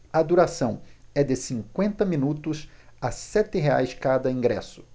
a duração é de cinquenta minutos a sete reais cada ingresso